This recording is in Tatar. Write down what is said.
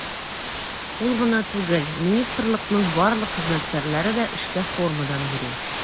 Ул гына түгел, министрлыкның барлык хезмәткәрләре дә эшкә формадан йөри.